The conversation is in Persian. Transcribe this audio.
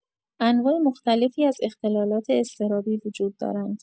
انواع مختلفی از اختلالات اضطرابی وجود دارند.